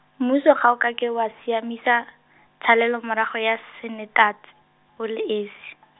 mmuso ga o ka ke wa siamisa, tshalelomorago ya s- sanetat-, o le esi .